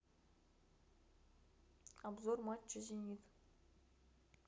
обзор матча зенит